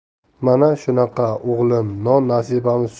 mana shunaqa o'g'lim non nasibamiz